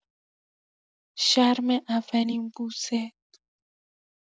شرم اولین بوسه